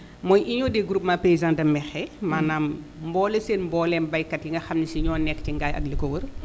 mooy union des groupements paysanes de Mekhe maanaam mbooleem seen mbooleem baykat yi nga xam ni si ñoo nekk ci Ngaye ak li ko wër